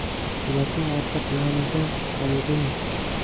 suratning orqa planida so'lg'in